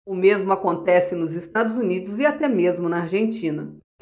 o mesmo acontece nos estados unidos e até mesmo na argentina